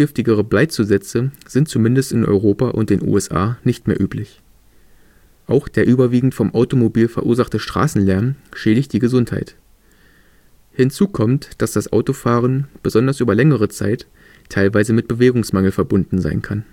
Noch giftigere Bleizusätze sind zumindest in Europa und den USA nicht mehr üblich. Auch der überwiegend vom Automobil verursachte Straßenlärm schädigt die Gesundheit. Hinzu kommt, dass das Autofahren, besonders über längere Zeit, teilweise mit Bewegungsmangel verbunden sein kann